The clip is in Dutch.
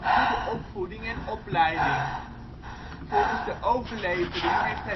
opleiding. Volgens de overlevering heeft